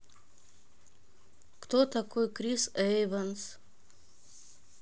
кто такой крис эванс